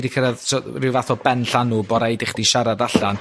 'di cyrradd so- rhyw fath o ben llanw bo' raid i chdi siarad allan.